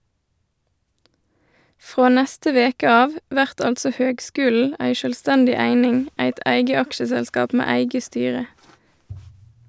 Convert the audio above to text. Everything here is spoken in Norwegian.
Frå neste veke av vert altså høgskulen ei sjølvstendig eining, eit eige aksjeselskap med eige styre.